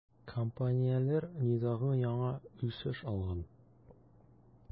Компанияләр низагы яңа үсеш алган.